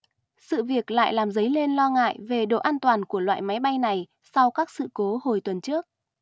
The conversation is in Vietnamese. sự việc lại làm dấy lên lo ngại về độ an toàn của loại máy bay này sau các sự cố hồi tuần trước